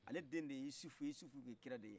ale den de ye isuf ye isuf tun ye kira de ye